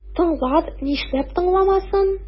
Тыңлар, нишләп тыңламасын?